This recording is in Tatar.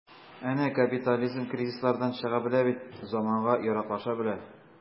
Әнә капитализм кризислардан чыга белә бит, заманга яраклаша белә.